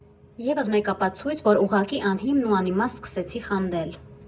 Եվս մեկ ապացույց, որ ուղղակի անհիմն ու անիմաստ սկսեցի խանդել։